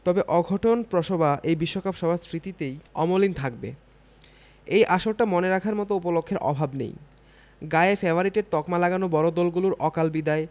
তবে অঘটনপ্রসবা এই বিশ্বকাপ সবার স্মৃতিতেই অমলিন থাকবে এই আসরটা মনে রাখার মতো উপলক্ষের অভাব নেই গায়ে ফেভারিটের তকমা লাগানো বড় দলগুলোর অকাল বিদায়